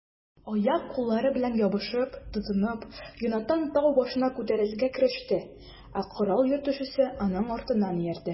Аяк-куллары белән ябышып-тотынып, Йонатан тау башына күтәрелергә кереште, ә корал йөртүчесе аның артыннан иярде.